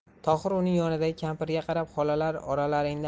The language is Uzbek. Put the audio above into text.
tohir uning yonidagi kampirga qarab xolalar oralaringda